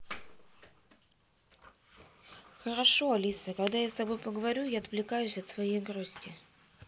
хорошо алиса когда я с тобой поговорю я отвлекаюсь от своей грусти